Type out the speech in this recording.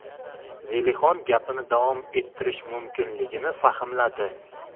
zelixon gapini davom ettirish mumkinligini fahmladi